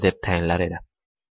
deb tayinlar edi